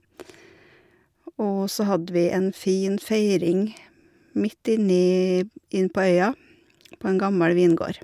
Og så hadde vi en fin feiring midt inni innpå øya, på en gammel vingård.